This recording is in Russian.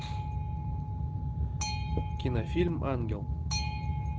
кинофильм ангел